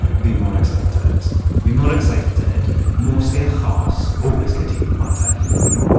Fi mor excited, fi mor excited mostly, achos... Oh, let's get deep. Cmon te. No.